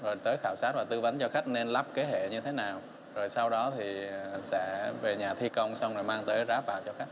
và tới khảo sát và tư vấn cho khách nên lắp cái hệ như thế nào rồi sau đó thì sẽ về nhà thi công xong rồi mang tới ráp vào cho khách